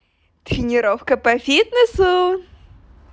тренировка по фитнесу